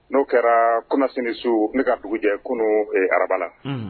N'o kɛra kunasini su ni ka dugu jɛ kunun araba la.